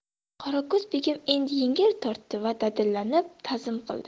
qorako'z begim endi yengil tortdi va dadillanib tazim qildi